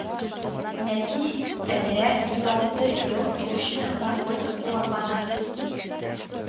Нәти әдә илле алты ял итүченең наркотик кулланганы